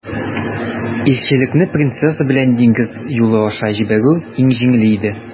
Илчелекне принцесса белән диңгез юлы аша җибәрү иң җиңеле иде.